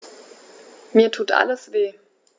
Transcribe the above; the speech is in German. Mir tut alles weh.